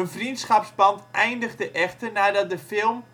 vriendschapsband eindigde echter nadat de film